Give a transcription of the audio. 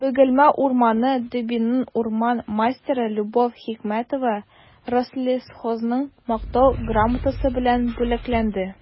«бөгелмә урманы» дбинең урман мастеры любовь хикмәтова рослесхозның мактау грамотасы белән бүләкләнде